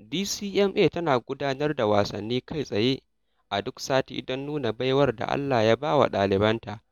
DCMA tana gudanar da wasannin kai tsaye a duk sati don nuna baiwar da Allah ya ba wa ɗalibanta